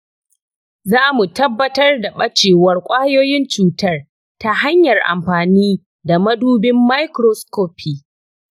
za mu tabbatar da bacewar kwayoyin cutar ta hanyar amfani da madubin microscopy.